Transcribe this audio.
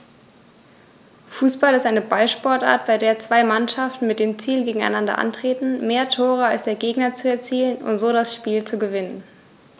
Fußball ist eine Ballsportart, bei der zwei Mannschaften mit dem Ziel gegeneinander antreten, mehr Tore als der Gegner zu erzielen und so das Spiel zu gewinnen.